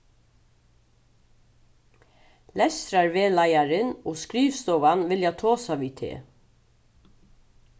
lestrarvegleiðarin og skrivstovan vilja tosa við teg